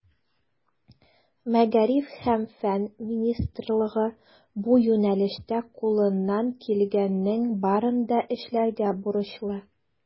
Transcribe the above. Мәгариф һәм фән министрлыгы бу юнәлештә кулыннан килгәннең барын да эшләргә бурычлы.